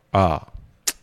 Aa